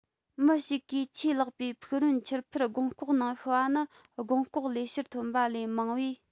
མི ཞིག གིས ཆེས ལེགས པའི ཕུག རོན འཁྱིར འཕུར སྒོང ལྐོགས ནང ཤི བ ནི སྒོང ལྐོགས ལས ཕྱིར ཐོན པ ལས མང བས